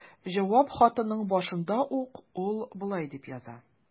Җавап хатының башында ук ул болай дип яза.